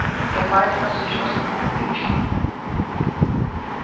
eg lærdi tað síðsta summar í íslandi